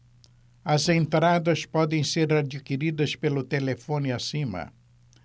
as entradas podem ser adquiridas pelo telefone acima